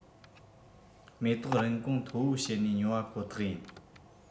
མེ ཏོག རིན གོང མཐོ བོ བྱེད ནས ཉོ བ ཁོ ཐག ཡིན